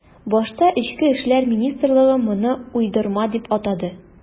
Башта эчке эшләр министрлыгы моны уйдырма дип атады.